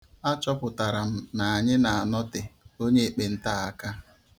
A chọpụtara m na anyị na-anọte onye ekpenta a aka.